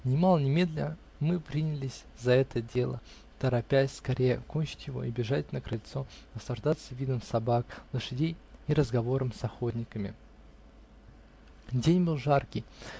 Нимало не медля, мы принялись за это дело, торопясь скорее кончить его и бежать на крыльцо наслаждаться видом собак, лошадей и разговором с охотниками. День был жаркий.